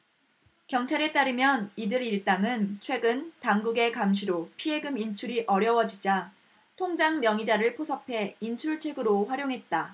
경찰에 따르면 이들 일당은 최근 당국의 감시로 피해금 인출이 어려워지자 통장명의자를 포섭해 인출책으로 활용했다